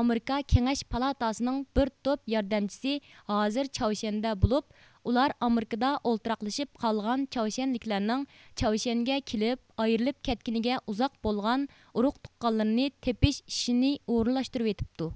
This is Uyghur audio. ئامېرىكا ڭېڭەش پالاتاسىنىڭ بىر توپ ياردەمچىسى ھازىر چاۋشيەندە بولۇپ ئۇلار ئامېرىكىدا ئولتۇراقلىشىپ قالغان چاۋشيەنلىكلەرنىڭ چاۋشيەنگە كېلىپ ئايرىلىپ كەتكىنىگە ئۇزاق بولغان ئۇرۇق تۇغقانلىرىنى تېپىش ئىشىنى ئورۇنلاشتۇرۇۋېتىپتۇ